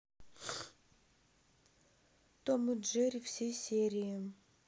том и джерри все серии